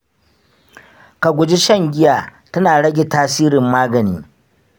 ka guji shan giya; tana rage tasirin magani.